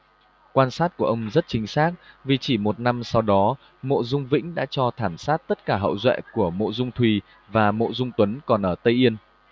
quan sát của ông rất chính xác vì chỉ một năm sau đó mộ dung vĩnh đã cho thảm sát tất cả hậu duệ của mộ dung thùy và mộ dung tuấn còn ở tây yên